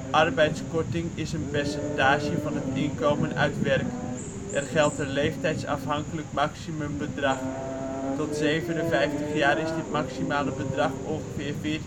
arbeidskorting is een percentage van het inkomen uit werk. Er geldt een leeftijdsafhankelijk maximumbedrag. Tot 57 jaar is dit maximale bedrag ongeveer €